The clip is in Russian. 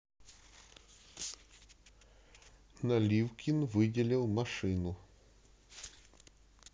наливкин выделил машину